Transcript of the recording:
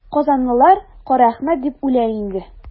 Казанлылар Карәхмәт дип үлә инде.